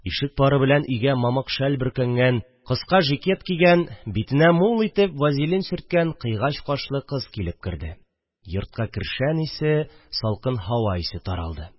Ишек пары белән өйгә мамык шәл бөркәнгән, кыска жикет кигән, битенә мул итеп вазелин сөрткән кыйгач кашлы кыз килеп керде, йортка кершән исе, салкын һава исе таралды